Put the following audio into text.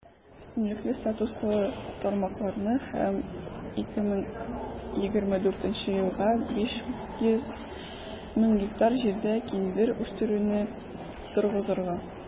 Өстенлекле статуслы тармакларны һәм 2024 елга 500 мең гектар җирдә киндер үстерүне торгызырга.